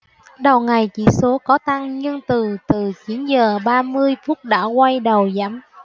đầu ngày chỉ số có tăng nhưng từ từ chín giờ ba mươi phút đã quay đầu giảm